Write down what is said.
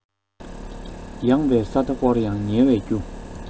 ཡངས པའི ས མཐའ བསྐོར ཡང ངལ བའི རྒྱུ